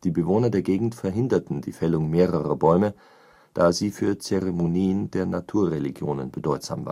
Bewohner der Gegend verhinderten die Fällung mehrerer Bäume, da sie für Zeremonien der Naturreligionen bedeutsam